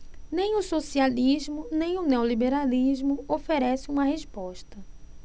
nem o socialismo nem o neoliberalismo oferecem uma resposta